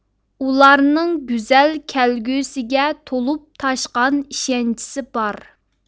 ئۇلارنىڭ گۈزەل كەلگۈسىگە تولۇپ تاشقان ئىشەنچسى بار